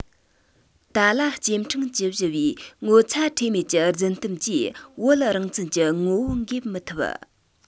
༄༅ ཏཱ ལ སྐྱེ ཕྲེང བཅུ བཞི པའི ངོ ཚ ཁྲེལ མེད ཀྱི རྫུན གཏམ གྱིས བོད རང བཙན གྱི ངོ བོ འགེབས མི ཐུབ